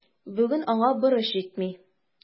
Бүген аңа борыч җитми.